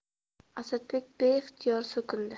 asadbek beixtiyor so'kindi